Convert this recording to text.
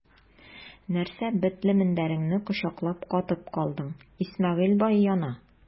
Нәрсә бетле мендәреңне кочаклап катып калдың, Исмәгыйль бай яна!